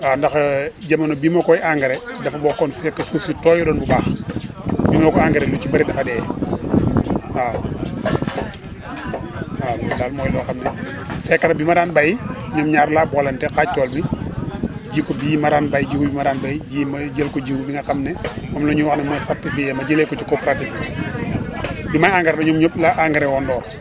waaw ndax jamono bi ma koy engrais dafa bokkoon fekk suuf si tooyuloon bu baax bi ma ko engrais lu ci bëri dafa dee waaw waaw loolu daal mooy loo xam ne fekk na bi ma daan béy ñoom ñaar laa boolante xaaj tool bi ji ko bii ma daan béy jiw bi ma daan béy ji ma jël ko jiw bi nga xam ne moom la ñu wax ne mooy certifiée ma jëlee ko ci coopérative bi bi may engrais nag ñoom ñëpp laa engrais wa ndoor